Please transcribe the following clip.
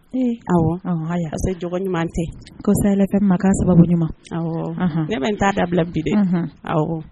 Ee! Awɔ. Awɔ haya parce que jogo ɲuman tɛ. Ko sahel FM ma ka sababu ɲuman. Awɔɔ. Uhun. Ne bɛ n ta dabila bi de.